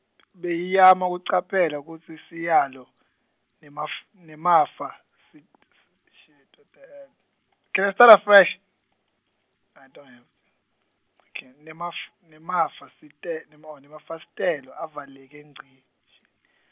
Beyivama kucaphela kutsi siyalo, nemaf- nemafa sit- shit- tote- , can i start a fresh, I don't have, okay, nemaf- nemafasite- nemo-, nemafasitelo, avaleke ngci .